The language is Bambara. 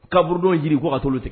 Kaburudo jiri ko katɔlo tigɛ